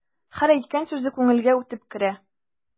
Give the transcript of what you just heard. Һәр әйткән сүзе күңелгә үтеп керә.